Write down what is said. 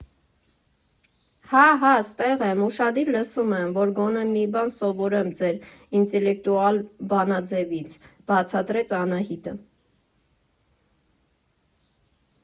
֊ Հա, հա, ստեղ եմ՝ ուշադիր լսում եմ, որ գոնե մի բան սովորեմ ձեր ինտելեկտուալ բանավեճից, ֊ բացատրեց Անահիտը։